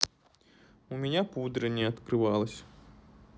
у меня пудра не открывалась